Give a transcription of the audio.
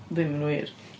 ddim yn wir.